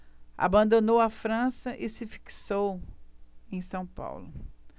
abandonou a frança e se fixou em são paulo